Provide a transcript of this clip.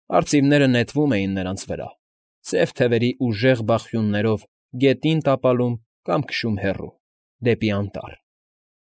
Արծիվները նետվում էին նրանց վրա, սև թևերի ուժեղ բախյուններով գետին տապալում կամ քշում հեռու, դեպի անտառ։